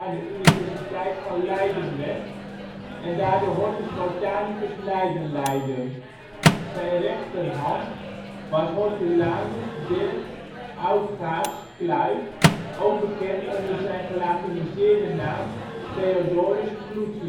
de universiteit van Leiden werd en daar de Hortus botanicus Leiden leidde. Zijn rechterhand was hortulanus Dirck Outgaertsz. Cluyt (ook bekend onder zijn gelatiniseerde naam Theodorus Clutius) die